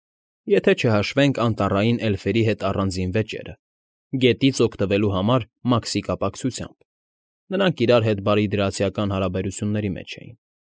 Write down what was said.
Եթե չհաշվենք անտառային էլֆերի հետ առանձին վեճերը՝ գետից օգտվելու համար մաքսի կապակցությամբ, նրանք իրար հետ բարիդրացիական հարաբերությունների մեջ էին։